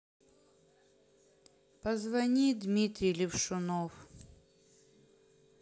позвони дмитрий левшунов